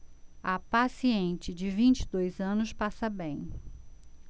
a paciente de vinte e dois anos passa bem